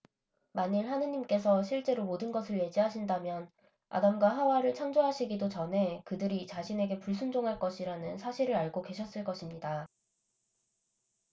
만일 하느님께서 실제로 모든 것을 예지하신다면 아담과 하와를 창조하시기도 전에 그들이 자신에게 불순종할 것이라는 사실을 알고 계셨을 것입니다